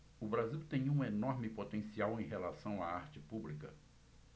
o brasil tem um enorme potencial em relação à arte pública